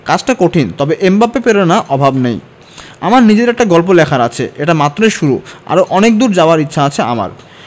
কাজটা কঠিন তবে এমবাপ্পের প্রেরণার অভাব নেই আমার নিজের একটা গল্প লেখার আছে এটা মাত্রই শুরু আরও অনেক দূর যাওয়ার ইচ্ছা আছে আমার